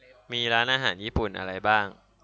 มีร้านอาหารญี่ปุ่นอะไรบ้าง